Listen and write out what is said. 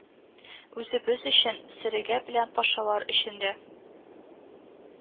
Үзебез өчен, Серега белән Пашалар өчен дә